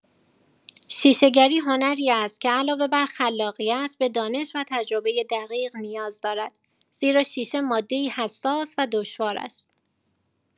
شیشه‌گری هنری است که علاوه بر خلاقیت به دانش و تجربه دقیق نیاز دارد، زیرا شیشه ماده‌ای حساس و دشوار است.